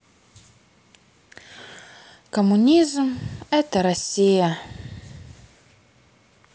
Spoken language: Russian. коммунизм это россия